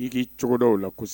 I k'i cogodɔn o la kosɛbɛ